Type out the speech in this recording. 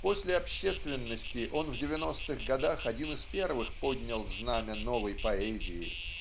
После общественности он в девяностых годах один из первых поднял знамя новой поэзии